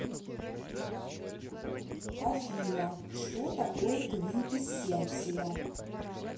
афина что такое квинтэссенция